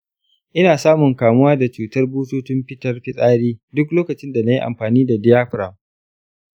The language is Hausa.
ina samun kamuwa da cutar bututun fitar fitsari duk lokacin da na yi amfani da diaphragm.